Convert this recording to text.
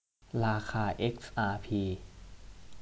ราคาเอ็กอาร์พี